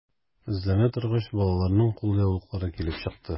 Эзләнә торгач, балаларның кулъяулыклары килеп чыкты.